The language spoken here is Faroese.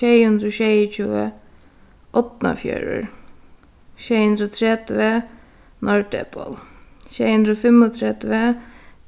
sjey hundrað og sjeyogtjúgu árnafjørður sjey hundrað og tretivu norðdepil sjey hundrað og fimmogtretivu